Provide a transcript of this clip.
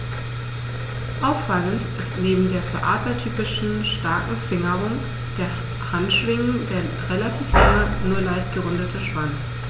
Auffallend ist neben der für Adler typischen starken Fingerung der Handschwingen der relativ lange, nur leicht gerundete Schwanz.